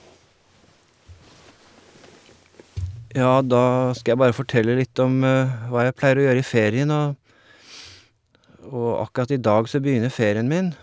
Ja, da skal jeg bare fortelle litt om hva jeg pleier å gjøre i ferien og og akkurat i dag så begynner ferien min.